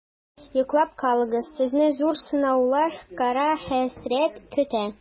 Йоклап калыгыз, сезне зур сынаулар, кара хәсрәт көтә.